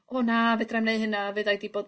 ...o na fedrai'm neu' hynna fe 'ddai 'di bod